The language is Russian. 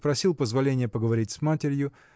просил позволения поговорить с матерью.